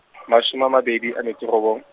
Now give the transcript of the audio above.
mashome a mabedi a metso robong.